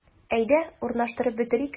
Әйдә, урнаштырып бетерик.